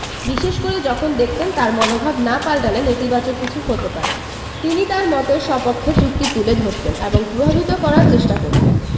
বিশেষ করে যখন দেখতেন তাঁর মনোভাব না পাল্টালে নেতিবাচক কিছু হতে পারে তিনি তাঁর মতের সপক্ষে যুক্তি তুলে ধরতেন এবং প্রভাবিত করার চেষ্টা করতেন